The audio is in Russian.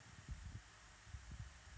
титок что такое